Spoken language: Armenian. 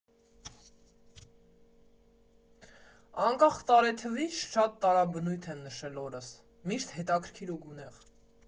Անկախ տարեթվից, շատ տարաբնույթ եմ նշել օրս, միշտ հետաքրքիր ու գունեղ։